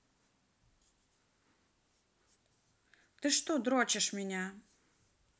ты что дрочишь меня